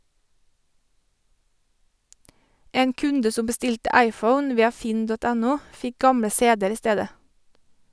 En kunde som bestilte iphone via finn.no fikk gamle cd-er i stedet.